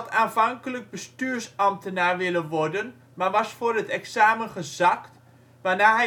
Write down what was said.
aanvankelijk bestuursambtenaar willen worden, maar was voor het examen gezakt, waarna